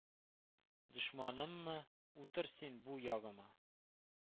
Дошманыммы? Утыр син, бу ягыма.